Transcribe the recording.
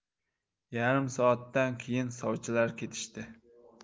yarim soatdan keyin sovchilar ketishdi